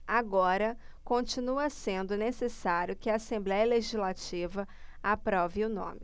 agora continua sendo necessário que a assembléia legislativa aprove o nome